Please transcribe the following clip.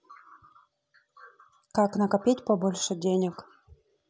как накопить побольше денег